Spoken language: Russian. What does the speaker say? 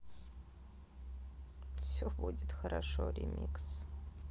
все будет хорошо ремикс